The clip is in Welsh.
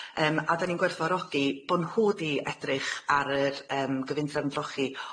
Yym a 'dan ni'n gwerthfawrogi bo' nhw 'di edrych ar yr yym gyfundrafn drochi